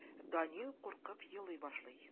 Данил куркып елый башлый.